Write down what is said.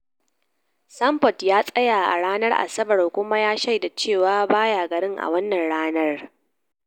Sanford ya tsaya a ranar Asabar kuma ya shaida cewa ba ya garin a Wannan ranar.